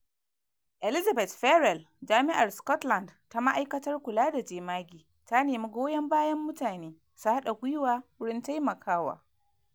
Elisabeth Ferrel, Jami’ar Scotland ta Ma’aikatar Kula da Jemage, ta nemi goyon bayan mutane su hada gwiwa wurin taimakawa.